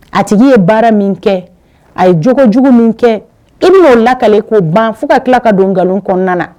A tigi ye baara min kɛ a ye jogojugu min kɛ i bɛn'o lakale k'o ban fo ka tila ka don nkalon kɔnɔna na